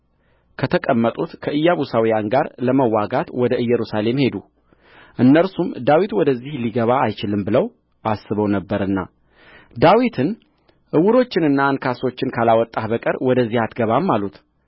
ከተቀመጡት ከኢያቡሳውያን ጋር ለመዋጋት ወደ ኢየሩሳሌም ሄዱ እነርሱም ዳዊት ወደዚህ ሊገባ አይችልም ብለው አስበው ነበርና ዳዊትን ዕውሮችንና አንካሶችን ካላወጣህ በቀር ወደዚህ አትገባም አሉት